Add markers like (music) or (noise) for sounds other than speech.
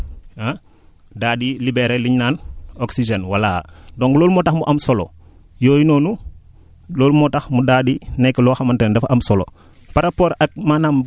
day jël CO2 bi ah daa di libérer liñ naan oxygène voilà (breath) donc loolu moo tax mu am solo yooyu noonu loolu moo tax mu daal di nekk loo xamante ne dafa am solo